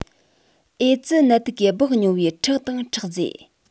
ཨེ ཙི ནད དུག གིས སྦགས མྱོང བའི ཁྲག དང ཁྲག རྫས